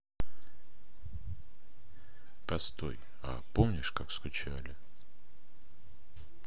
простой а помнишь как скучали